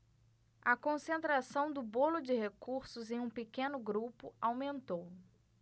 a concentração do bolo de recursos em um pequeno grupo aumentou